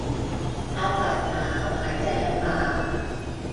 อากาศหนาวหายใจลำบาก